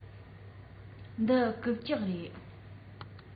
འདི རྐུབ བཀྱག རེད